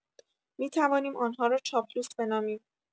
می‌توانیم آنها را چاپلوس بنامیم